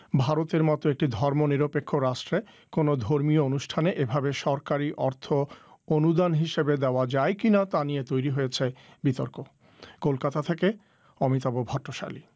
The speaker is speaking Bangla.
ভারতের মতো একটা ধর্মনিরপেক্ষ রাষ্ট্রে কোন ধর্মীয় অনুষ্ঠানে এভাবে সরকারি অর্থ অনুদান হিসেবে দেয়া যায় কিনা তা নিয়ে তৈরি হয়েছে বিতর্ক কলকাতা থেকে অমিতাভ ভট্টশালী